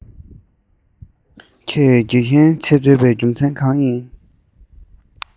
ཁྱོད དགེ རྒན བྱེད འདོད པའི རྒྱུ མཚན གང ཡིན